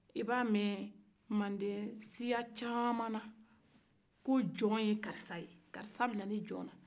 e b'a mɛn mande siya caman na ko jɔn ye karisa ye karisa minɛnen jɔn na